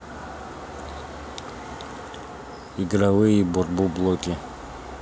игровые бурбу блоки